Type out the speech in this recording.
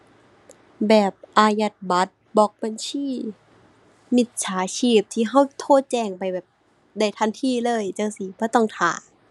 แบบอายัดบัตร บล็อกบัญชีมิจฉาชีพที่เราโทรแจ้งไปแบบได้ทันทีเลยจั่งซี้ บ่ต้องท่า